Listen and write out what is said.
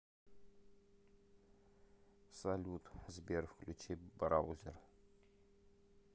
салют сбер включи браузер